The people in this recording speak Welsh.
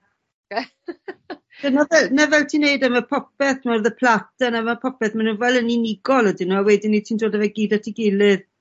Dyna fe- 'na fel ti'n neud e? Ma' popeth weld y plate 'na ma' popeth ma' nw fel yn unigol ydyn nw a wedyn 'ny ti'n dod â fe gyd at 'i gilydd?